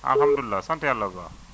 alhamdulilah sant yàlla bu baax